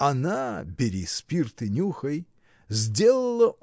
Она (бери спирт и нюхай!) сделала.